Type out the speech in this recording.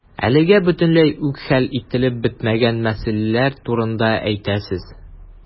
Әлегә бөтенләй үк хәл ителеп бетмәгән мәсьәләләр турында да әйтәсез.